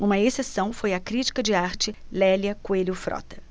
uma exceção foi a crítica de arte lélia coelho frota